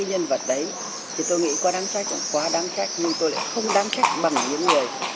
nhân vật đấy thì tôi nghĩ có đánh trách không quá đánh trách nhưng tôi lại không đáng trách bằng những người